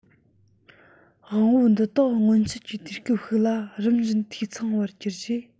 དབང པོ འདི དག སྔོན ཆད ཀྱི དུས སྐབས ཤིག ལ རིམ བཞིན འཐུས ཚང བར གྱུར རྗེས